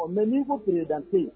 O bɛ min fɔ tile danme